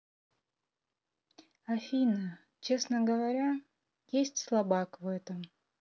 афина честно говоря есть слабак в этом